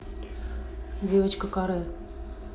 девочка каре